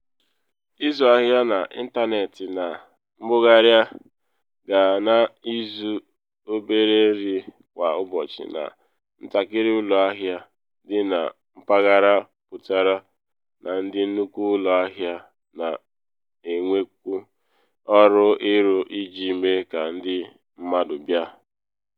Ịzụ ahịa n’ịntanetị na mbugharị gaa na ịzụ obere nri kwa ụbọchị na ntakịrị ụlọ ahịa dị na mpaghara pụtara na ndị nnukwu ụlọ ahịa na enwekwu ọrụ ịrụ iji mee ka ndị mmadụ bịa.